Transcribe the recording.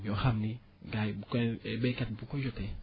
yoo xam ni gars yi bu koy baykat bi bu ko jotee